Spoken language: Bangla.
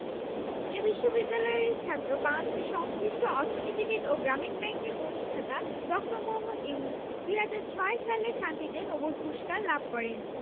এ বিশ্ববিদ্যালয়েরই ছাত্র বাংলাদেশের সংশ্লিষ্ট অর্থনীতিবিদ ও গ্রামীণ ব্যাংকের প্রতিষ্ঠাতা ড. মোহাম্মদ ইউনুস ২০০৬ সালে শান্তিতে নোবেল পূরস্কার লাভ করেন